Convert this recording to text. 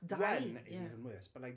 Dau... One is even worse, but like